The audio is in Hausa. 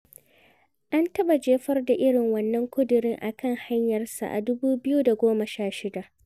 An taɓa jefar da irin wannan ƙudirin a kan hanyarsa a 2016.